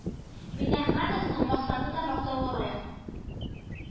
Миннәхмәтовның максаты да мактауга лаек